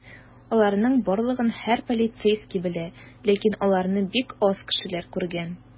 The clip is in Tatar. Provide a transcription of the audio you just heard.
Аларның барлыгын һәр полицейский белә, ләкин аларны бик аз кешеләр күргән.